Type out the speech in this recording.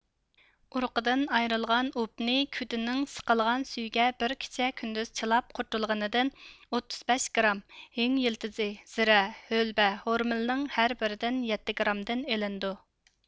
ئۇرۇقىدىن ئايرىلغان ئۇبنى كۈدىنىڭ سىقىلغان سۈيىگە بىر كېچە كۈندۈز چىلاپ قۇرۇتۇلغىنىدىن ئوتتۇز بەش گرام ھىڭ يىلتىزى زىرە ھۆلبە ھورمىلنىڭ ھەر بىرىدىن يەتتە گرامدىن ئېلىنىدۇ